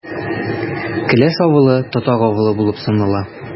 Келәш авылы – татар авылы булып санала.